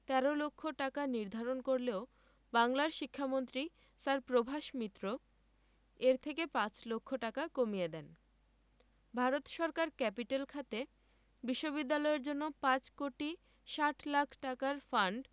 ১৩ লক্ষ টাকা নির্ধারণ করলেও বাংলার শিক্ষামন্ত্রী স্যার প্রভাস মিত্র এর থেকে পাঁচ লক্ষ টাকা কমিয়ে দেন ভারত সরকার ক্যাপিটেল খাতে বিশ্ববিদ্যালয়ের জন্য ৫ কোটি ৬০ লাখ টাকার ফান্ড